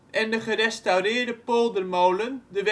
en de gerestaureerde poldermolen de